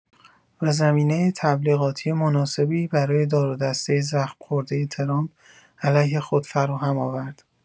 و زمینه تبلیغاتی مناسبی برای دارودسته زخم‌خورده ترامپ علیه خود فراهم آورد.